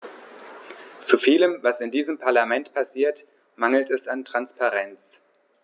Zu vielem, was in diesem Parlament passiert, mangelt es an Transparenz.